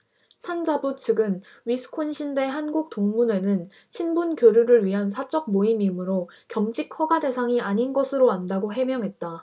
산자부 측은 위스콘신대 한국 동문회는 친분교류를 위한 사적 모임이므로 겸직 허가 대상이 아닌 것으로 안다고 해명했다